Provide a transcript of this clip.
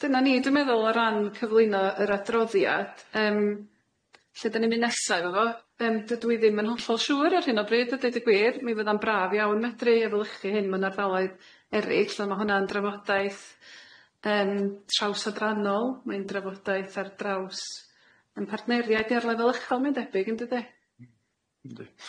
Dyna ni dwi'n meddwl o ran cyflwyno yr adroddiad yym, lle 'dyn ni'n mynd nesa efo fo yym dydw i ddim yn hollol siŵr ar hyn o bryd a deud y gwir, mi fydda'n braf iawn medru efelychu hyn mewn ardaloedd erill on' ma' hwnna'n drafodaeth yym trawsadrannol mae'n drafodaeth ar draws yn partneriaid ni ar lefel uchel mae'n debyg yn dydi?